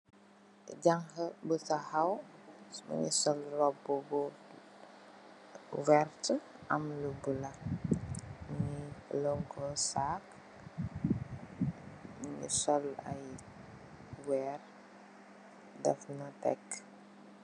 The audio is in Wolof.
Ganka bu tahawei mu sul jorbo bu werty am lu blue mu nei longo sark mu sul nei werei def na tek